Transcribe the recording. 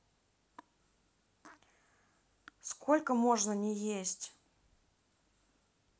сколько можно не есть